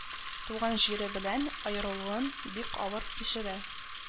Туган җире белән аерылуын бик авыр кичерә